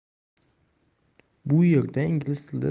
bu yerda ingliz tilida